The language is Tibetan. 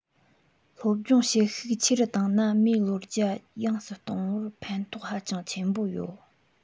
སློབ སྦྱོང བྱེད ཤུགས ཆེ རུ བཏང ན མིའི བློ རྒྱ ཡངས སུ གཏོང བར ཕན ཐོགས ཧ ཅང ཆེན པོ ཡོད